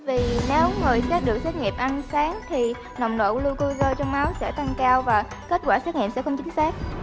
vì nếu mà sẽ được xét nghiệm ăn sáng thì nồng độ gờ lu cô dơ trong máu sẽ tăng cao và kết quả xét nghiệm sẽ không chính xác